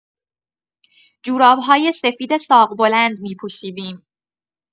جوراب‌های سفید ساق بلند می‌پوشیدیم.